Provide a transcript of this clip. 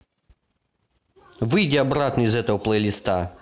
выйди обратно из этого плейлиста